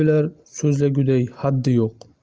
bilar so'zlaguday haddi yo'q